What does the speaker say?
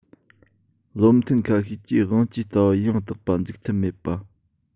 བློ མཐུན ཁ ཤས ཀྱིས དབང ཆའི ལྟ བ ཡང དག པ འཛུགས ཐུབ མེད པ